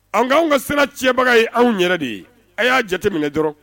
An ka' ka sira cɛbaga ye anw yɛrɛ de ye a y'a jate minɛ dɔrɔn